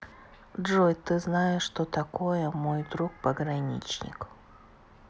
джой ты знаешь что такое мой друг пограничник